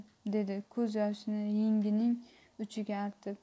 dedi ko'z yoshini yengining uchiga artib